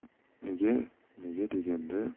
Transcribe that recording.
nega nega deganda